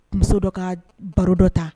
Muso dɔ ka baro dɔ ta